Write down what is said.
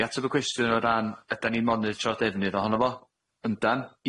I atab y cwestiwn o ran ydan ni'n monitro defnydd ohono fo, yndan